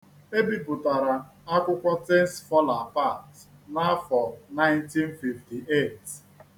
E bipụtara akwụkwọ Things Fall Apart n'afọ 1958.